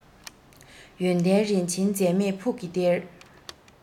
ཡོན ཏན རིན ཆེན འཛད མེད ཕུགས ཀྱི གཏེར